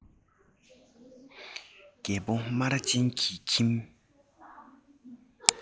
རྒད པོ སྨ ར ཅན གྱི ཁྱིམ